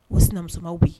O sinamusow bɛ